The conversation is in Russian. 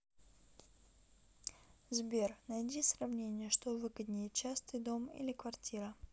сбер найди сравнение что выгоднее частный дом или квартира